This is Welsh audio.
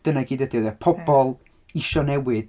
Dyna i gyd ydy o de? Pobl isio newid...